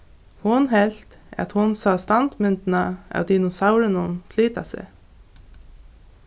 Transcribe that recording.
hon helt at hon sá standmyndina av dinosaurinum flyta seg